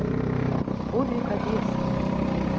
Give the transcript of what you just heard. подвиг одессы